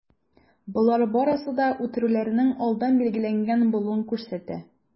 Болар барысы да үтерүләрнең алдан билгеләнгән булуын күрсәтә.